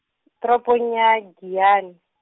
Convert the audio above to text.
toropong ya Giyane.